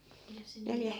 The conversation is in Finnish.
mikäs sen nimi oli